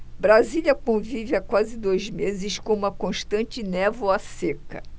brasília convive há quase dois meses com uma constante névoa seca